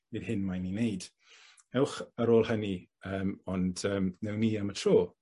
nid hyn mae'n 'i wneud ewch ar ôl hynny yym ond yym newn ni am y tro.